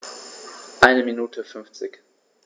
Eine Minute 50